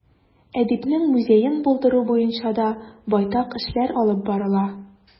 Әдипнең музеен булдыру буенча да байтак эшләр алып барыла.